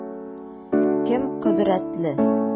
Кем кодрәтле?